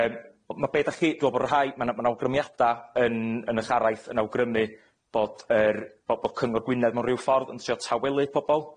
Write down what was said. Yym ma' be' dach chi, dwi me'wl bo' rhai ma' 'na ma' nawgrymiada yn yn eich araith yn awgrymu bod yr bo' bo' Cyngor Gwynedd mewn ryw ffordd yn trio tawelu pobol.